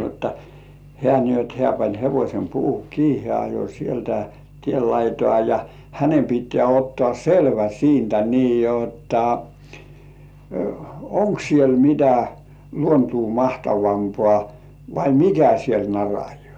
jotta hän niin jotta hän pani hevosen puuhun kiinni hän ajoi sieltä tien laitaa ja hänen pitää ottaa selvä siitä niin jotta onko siellä mitä luontoa mahtavampaa vai mikä siellä narajaa